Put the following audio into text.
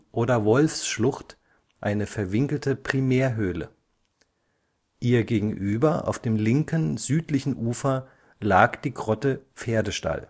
oder Wolfsschlucht, eine verwinkelte Primärhöhle. Ihr gegenüber auf dem linken, südlichen Ufer lag die Grotte Pferdestall